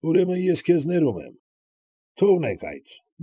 Ուրեմն, ես քեզ ներում եմ։ Թողնենք այդ։